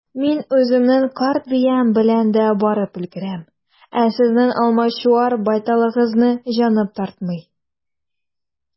Мин үземнең карт биям белән дә барып өлгерәм, ә сезнең алмачуар байталыгызны җаным тартмый.